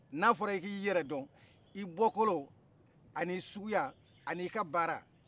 n'a fɔ i k'i yɛrɛ dɔn i bɔ kolo ani suguya ani ka baara